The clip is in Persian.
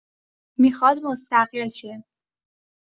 میخواد مستقل شه.